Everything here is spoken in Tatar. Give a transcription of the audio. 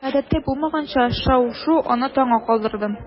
Гадәттә булмаганча шау-шу аны таңга калдырды.